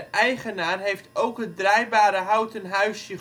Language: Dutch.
eigenaar heeft ook het draaibare houten huisje